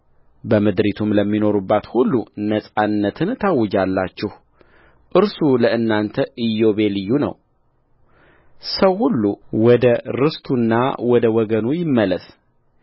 በምድሪቱም ለሚኖሩባት ሁሉ ነጻነትን ታውጃላችሁ እርሱ ለእናንተ ኢዮቤልዩ ነው ሰው ሁሉ ወደ ርስቱና ወደ ወገኑ ይመለስ